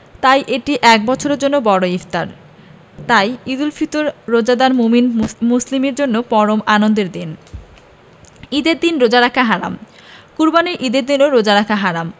তাই এটি এক বছরের জন্য বড় ইফতার তাই ঈদুল ফিতর রোজাদার মোমিন মুসলিমের জন্য পরম আনন্দের দিন ঈদের দিনে রোজা রাখা হারাম কোরবানির ঈদের দিনেও রোজা রাখা হারাম